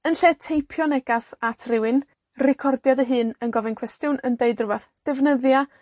Yn lle teipio negas at rhywun, recordio dy hun, yn gofyn cwestiwn, yn deud rwbath, defnyddia